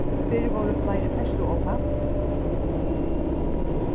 fyrr vóru fleiri ferðsluóhapp